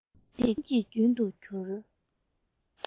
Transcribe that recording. འཇིག རྟེན གྱི རྒྱན དུ གྱུར